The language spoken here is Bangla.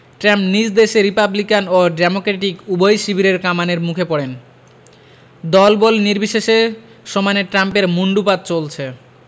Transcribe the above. ট্রাম্প নিজ দেশে রিপাবলিকান ও ডেমোক্রেটিক উভয় শিবিরের কামানের মুখে পড়েন দলবল নির্বিশেষে সমানে ট্রাম্পের মুণ্ডুপাত চলছে